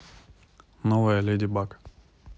новая леди баг